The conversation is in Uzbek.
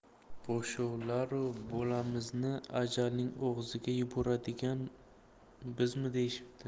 podsholaru bolamizni ajalning og'ziga yuboradigan bizmi deyishibdi